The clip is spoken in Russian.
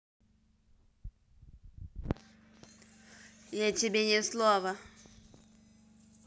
я тебе не слово